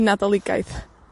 Nadoligaidd.